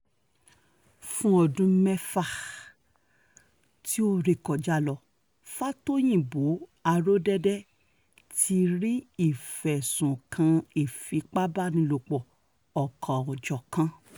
Fún ọdún mẹ́fà tí ó ré kọjá lọ, Fátóyìnbó aródẹ́dẹ́ ti rí ìfẹ̀sùnkàn ìfipábánilòpọ̀ ọ̀kan-ò-jọ̀kan.